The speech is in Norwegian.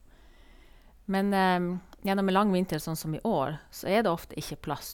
Men gjennom en lang vinter sånn som i år så er det ofte ikke plass.